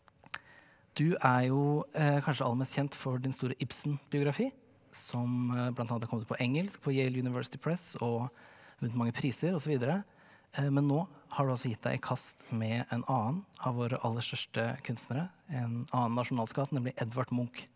du er jo kanskje aller mest kjent for din store Ibsen-biografi som bl.a. er kommet ut på engelsk på Yale University Press og vunnet mange priser osv. men nå har du altså gitt deg i kast med en annen av våre aller største kunstnere en annen nasjonalskatt nemlig Edvard Munch.